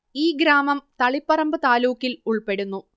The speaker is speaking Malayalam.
ഈ ഗ്രാമം തളിപ്പറമ്പ് താലൂക്കിൽ ഉൾപ്പെടുന്നു